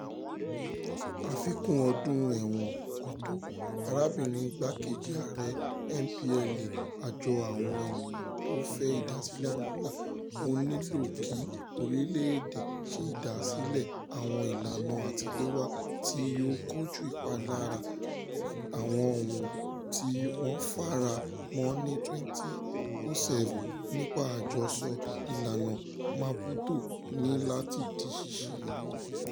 Àfikún ọdún ẹ̀wọ̀n kò tó, arábìnrin igbá-kejì Ààrẹ MPLA [Àjọ Àwọn ènìyàn tó fẹ́ ìdásílẹ̀ Angola], Ó nílò kí orílẹ̀-èdè ṣe ìdásílẹ̀ àwọn ìlànà àtilẹ̀wá tí yóò kojú ìpanilára – Àwọn ohun tí wọ́n fara mọ́ ní 2007 nípa àjọsọ ìlànà Maputo ní láti di ṣíṣe.